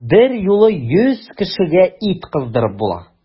Берьюлы йөз кешегә ит кыздырып була!